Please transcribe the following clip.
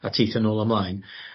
a teithio nôl a mlaen